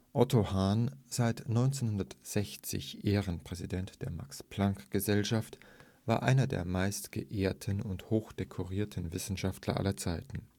Otto Hahn, seit 1960 Ehrenpräsident der Max-Planck-Gesellschaft, war einer der meistgeehrten und höchstdekorierten Wissenschaftler aller Zeiten